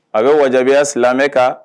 A bɛ wajibiya silamɛ kan